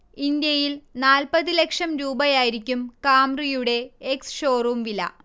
ഇന്ത്യയിൽ നാൽപ്പത് ലക്ഷം രൂപയായിരിക്കും കാംറിയുടെ എക്സ്ഷോറും വില